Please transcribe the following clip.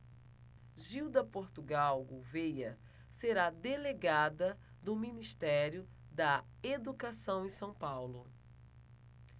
gilda portugal gouvêa será delegada do ministério da educação em são paulo